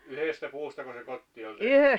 yhdestä puustako se kotti oli tehty